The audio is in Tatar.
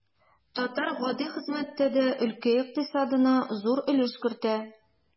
Татар гади хезмәттә дә өлкә икътисадына зур өлеш кертә.